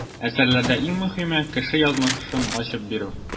Әсәрләрдә иң мөһиме - кеше язмышын ачып бирү.